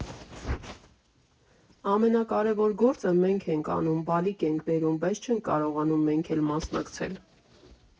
«Ամենակարևոր գործը մենք ենք անում, բալիկ ենք բերում, բայց չենք կարողանում մենք էլ մասնակցել»։